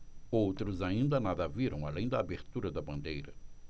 outros ainda nada viram além da abertura da bandeira